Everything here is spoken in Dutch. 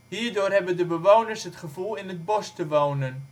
Hierdoor hebben de bewoners het gevoel in het bos te wonen